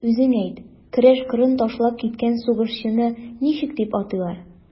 Үзең әйт, көрәш кырын ташлап киткән сугышчыны ничек дип атыйлар?